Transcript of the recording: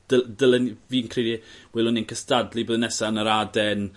dyl- dylen ni fi'n credu gwelwn ni'n cystadlu blwyddyn nesa yn yr Ardenne